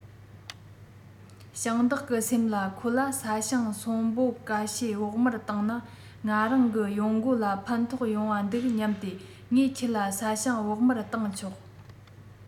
ཞིང བདག གི སེམས ལ ཁོ ལ ས ཞིང སོན འབོ ག ཤས བོགས མར བཏང ན ང རང གི ཡོང སྒོ ལ ཕན ཐོགས ཡོང བ འདུག སྙམ སྟེ ངས ཁྱེད ལ ས ཞིང བོགས མར བཏང ཆོག